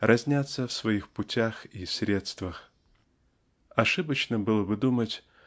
разнятся в своих путях и средствах. Ошибочно было бы думать